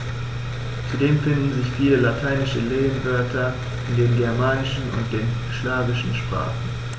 Zudem finden sich viele lateinische Lehnwörter in den germanischen und den slawischen Sprachen.